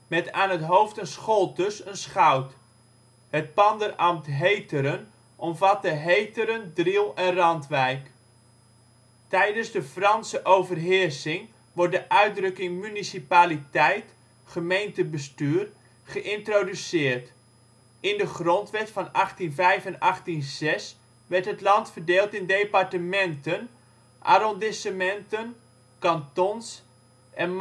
met aan het hoofd een Scholtus (schout). Het panderambt Heteren omvatte Heteren, Driel en Randwijk. Tijdens de Franse overheersing wordt de uitdrukking municipaliteit (gemeentebestuur) geïntroduceerd. In de grondwet van 1805 en 1806 werd het land verdeeld in departementen, arrondissementen, cantons en